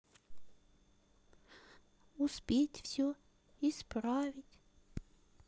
успеть все исправить